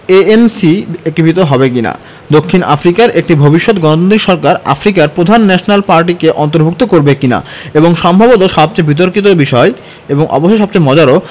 ANC একীভূত হবে কি না দক্ষিণ আফ্রিকার একটি ভবিষ্যৎ গণতান্ত্রিক সরকার আফ্রিকার প্রধান ন্যাশনাল পার্টিকে অন্তর্ভুক্ত করবে কি না এবং সম্ভবত সবচেয়ে বিতর্কিত বিষয় এবং অবশ্যই সবচেয়ে মজারও